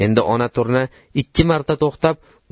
endi ona turna ikki marta to'xtab